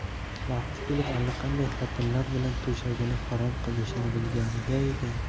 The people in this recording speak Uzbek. vaqti kelib allaqanday xotinlar bilan to'shagini harom qilishini bilganida edi